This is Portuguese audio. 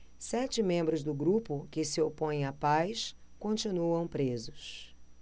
sete membros do grupo que se opõe à paz continuam presos